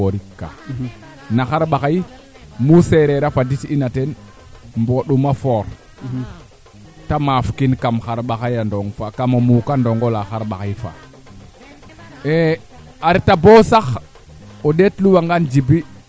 ndaa a jega ɓas fee na leyel cool fuuta ke comme mi ɓas fee im duufa mi ɓas faaga xan pooɗ ke mboor bo o saxadel bo o bugo rokik na qaq so te soogo foor ɓas faaga koy ɓas fa mbaaxo ɓas fo muci ayibo